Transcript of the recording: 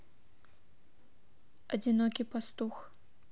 одинокий пастух